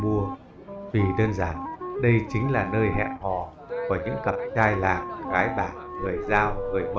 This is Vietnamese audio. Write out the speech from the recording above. vì đơn giản đây chính là nơi hò hẹn của những cặp trai làng gái bản người dao người mông